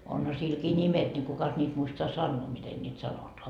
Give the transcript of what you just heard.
onhan silläkin nimet niin kukas niitä muistaa sanoa miten niitä sanotaan